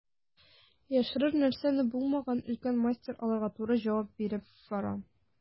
Яшерер нәрсәсе булмаган өлкән мастер аларга туры җавап биреп бара.